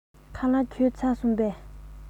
ཞལ ལག ཁ ལག མཆོད བཞེས ཚར སོང ངས